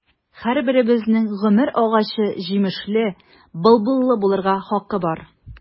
Һәрберебезнең гомер агачы җимешле, былбыллы булырга хакы бар.